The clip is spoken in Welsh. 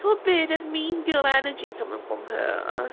Tibod be? There's mean girl energy coming from her.